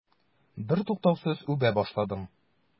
Бертуктаусыз үбә башладың.